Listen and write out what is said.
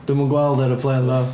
Dwi ddim yn gweld aeroplane ddo.